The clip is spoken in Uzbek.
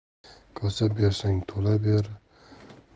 kosa bersang to'la